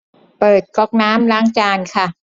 เปิดก๊อกน้ำล้างจานค่ะ